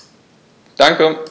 Danke.